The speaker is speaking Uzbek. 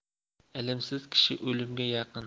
ilmsiz kishi o'limga yaqin